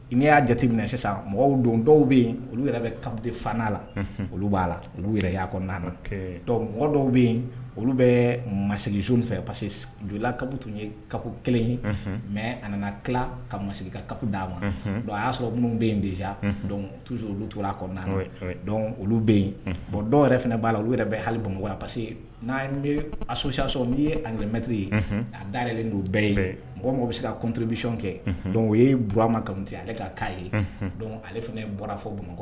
N'i y'a jate minɛ sisan mɔgɔw don dɔw bɛ yen olu yɛrɛ bɛ kab la olu b'a la olu yɛrɛ'a kɔnɔna na mɔgɔ dɔw bɛ yen olu bɛ masigi fɛ pa jla kab tun ye kaku kelen ye mɛ a nana tila ka masigi ka kaku da ma a y'a sɔrɔ minnu bɛ in dez tu olu tora a kɔnɔna olu bɛ yen bɔn dɔw yɛrɛ fana b'a la olu yɛrɛ bɛ hali bon parce n' bɛ a soya sɔrɔ n'i ye an lamɛnmɛtiri ye a dalen don bɛɛ ye mɔgɔ mɔgɔ bɛ se ka cotobiyɔn kɛ dɔnku o ye bu ma kate ale ka kana ye ale fana bɔra fɔ bɔn